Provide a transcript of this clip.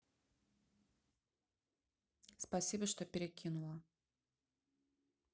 спасибо что перекинула